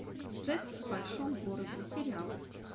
секс в большом городе сериал